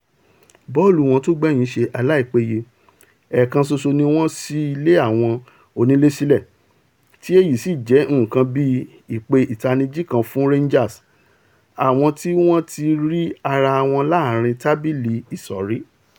Bọ́ọ̀lù wọn tó gbẹ̀yìn ṣe aláìpéye - ẹ̀ẹ̀kan ṣoṣo ni wọ́n sí ilé awọn onílé sílẹ̀ - tí èyí sì jẹ nǹkan bíi ìpè ìtanijí kan fún Rangers, àwọn tí wọn ti rí ara wọn láàrin tábìlì ìṣòrí.